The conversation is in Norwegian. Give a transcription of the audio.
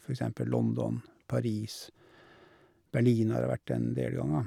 For eksempel London, Paris, Berlin har jeg vært en del ganger.